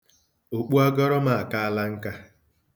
Okpuagọrọ m akaala nka.